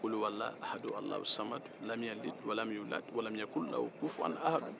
kuluhu alahu ahadiu alahu samadu lamiyalidi walamiya kun lahu kufu wani ahadi